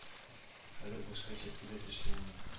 Хәзер бушка черки дә тешләми